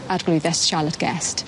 arglwyddes Charlotte Guest.